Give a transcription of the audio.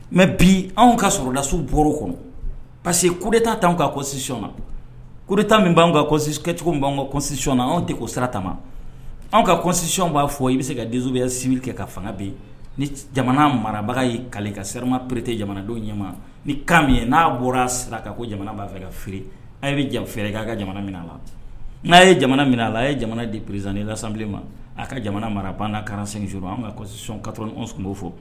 Mɛ bi anw ka sɔrɔlasiw b o kɔnɔ parce que ko taa tan ka kosisi na kota mincogo b'an kansiɔnna anw tɛ o sirata anw kasiyɔn b'a fɔ i bɛ se ka denmuso bɛya sibi kɛ ka fanga bɛ yen ni jamana marabaga y'i ka ka se sirama perete jamanadenw ɲɛma ni' min ye n'a bɔra a sira ka ko jamana b'a fɛ ka fili an bɛ jan fɛrɛɛrɛ' ka jamana mina a la n'a ye jamana mina a la a ye jamana de peresiz i la ma a ka jamana mara ban n' kalan sin s an kasi kat anw tun b'o fɔ